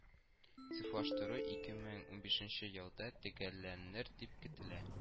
Цифрлаштыру ике мең унбишенче елда төгәлләнер дип көтелә